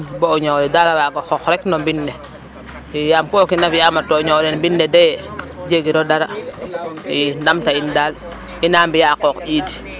Bo o ñoow ole daal a waago xoox rek no mbind ne i yaam ku kiin a fi'a mat to o ñoow ole mbind ne doyee jegiro dara ii, ndamta in daal i na mbi'aa a qooq ƴiid